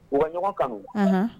U bɛ ɲɔgɔn kanu